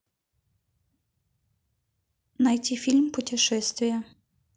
найти фильм путешествие